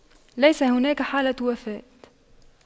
ليس هناك حالة وفاة